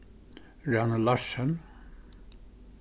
rani larsen